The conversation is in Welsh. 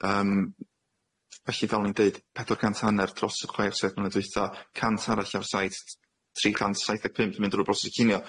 Yym. Felly fel o'n i'n deud, pedwar cant a hanner dros y chwech saith mlynedd dwytha, cant arall ar saith- t- tri chant saith deg pump yn mynd ar drw